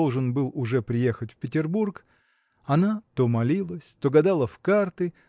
должен был уже приехать в Петербург она то молилась то гадала в карты